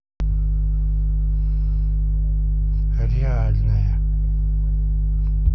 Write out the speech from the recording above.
реальная